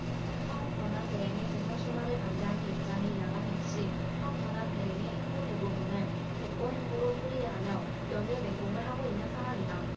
황 권한대행의 대선 출마를 반대하는 입장인 야당 역시 황 권한대행의 행보 대부분을 대권행보로 풀이하며 연일 맹공을 하고 있는 상황이다